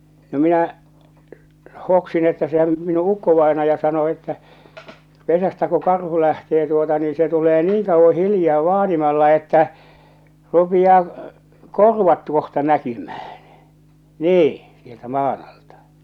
no minä hoksin että sehän minun ukkovainaja sanoi että pesästä kun karhu lähtee tuota niin se tulee niin kauan hiljaa vaanimalla että rupeaa korvat tuolta näkymään niin sieltä maan alta